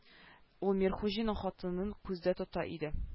Ул мирхуҗинның хатынын күздә тота иде